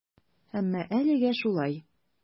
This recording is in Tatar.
Әмма әлегә шулай.